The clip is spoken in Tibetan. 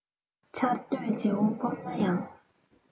ཆར འདོད བྱེའུ སྐོམ ན ཡང